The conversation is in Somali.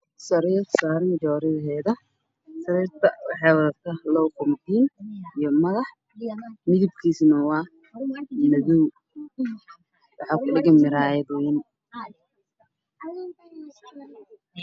Waa sariir waxaa saaran go a geesaha ku yaallo laba koodiin midabkoodii hay madow darbiga waa cadaan